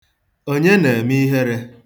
Onye na-eme ihere?